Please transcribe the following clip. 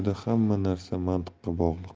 narsa mantiqqa bog'liq